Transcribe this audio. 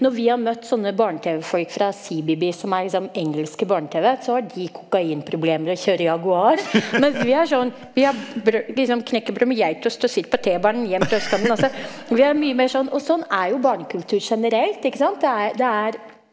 når vi har møtt sånne barne-tv-folk fra CBB som er liksom engelske barne-tv så har de kokainproblemer og kjører Jaguar, mens vi er sånn vi har liksom knekkebrød med geitost og sitter på t-banen hjem til østkanten, altså vi har mye mer sånn og sånn er jo barnekultur generelt ikke sant, det er det er.